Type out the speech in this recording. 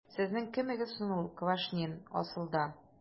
Сезнең кемегез соң ул Квашнин, асылда? ..